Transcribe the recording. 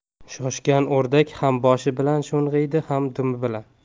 shoshgan o'rdak ham boshi bilan sho'ng'iydi ham dumi bilan